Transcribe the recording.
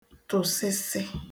tụsịsị